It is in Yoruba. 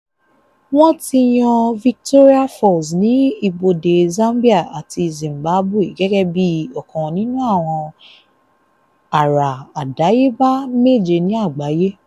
Wọ́n ti yan Victoria Falls ní ibodè Zambia àti Zimbabwe gẹ́gẹ́ bíi ọ̀kan nínú àwọn àrà àdáyébá méje ní àgbáyé.